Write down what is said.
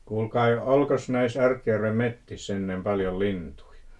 kuulkaa olikos näissä Artjärven metsissä ennen paljon lintuja